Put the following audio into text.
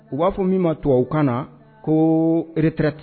U b'a fɔ min ma tubabukan na ko retraite